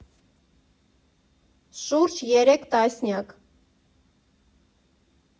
Շուրջ երեք տասնյակ։